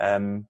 yym